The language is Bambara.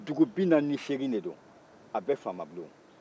dugu binaani ni seegin de don a bɛɛ fama bulon